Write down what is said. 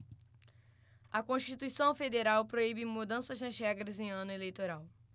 a constituição federal proíbe mudanças nas regras em ano eleitoral